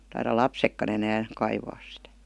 taida lapsetkaan enää kaivaa sitä